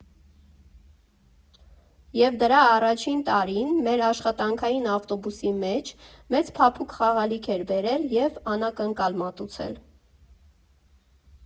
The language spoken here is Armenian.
Եվ դրա առաջին տարին մեր աշխատանքային ավտոբուսի մեջ մեծ փափուկ խաղալիք էր բերել և անակնկալ մատուցել։